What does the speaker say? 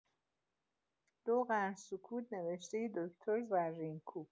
دو قرن سکوت نوشتۀ دکتر زرین‌کوب